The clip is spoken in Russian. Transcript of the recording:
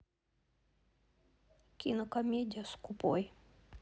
кинокомедия скупой